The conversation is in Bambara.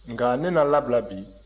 nka ne na labila bi